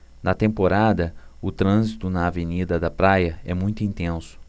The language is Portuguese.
na temporada o trânsito na avenida da praia é muito intenso